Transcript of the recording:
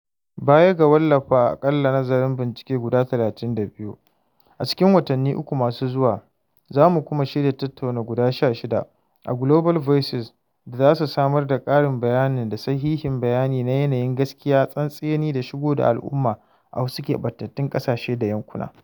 Baya ga wallafa aƙalla nazarin bincike guda 32 a cikin watanni uku masu zuwa, za mu kuma shirya tattaunawa guda 16 a Global Voices da zasu samar da ƙarin bayani da sahihin bayani na yanayin gaskiya, tsantseni da shigo da al’umma a wasu keɓantattun ƙasashe da yankuna.